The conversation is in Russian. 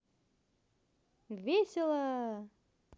весело